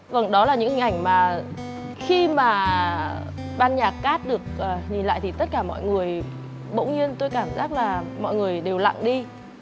vầng đó là những hình ảnh mà khi mà ban nhạc cát được ờ nhìn lại thì tất cả mọi người bỗng nhiên tôi cảm giác là mọi người đều lặng đi